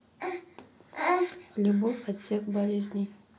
любовь от всех болезней